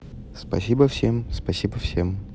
спасибо всем спасибо всем